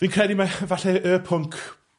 Fi'n credu mae efalle y pwnc